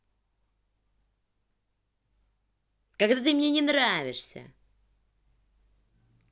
когда ты мне не нравишься